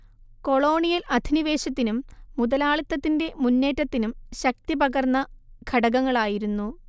colonial അധിനിവേശത്തിനും മുതലാളിത്തത്തിന്റെ മുന്നേറ്റത്തിനും ശക്തി പകർന്ന ഘടകങ്ങളായിരുന്നു